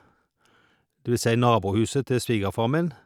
Det vil si nabohuset til svigerfar min.